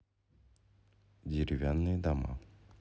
деревянные дома